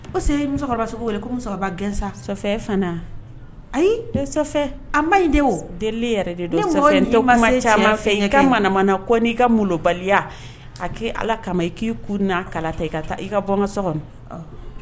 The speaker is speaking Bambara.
O se musokɔrɔba wele ko musokɔrɔba gan ayiba deli yɛrɛ de ka i kabaliya a' ala kama i k'i kuru kala ta i ka taa i ka bɔ so kɔnɔ